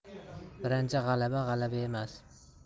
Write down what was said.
birinchi g'alaba g'alaba emas